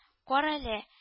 — карале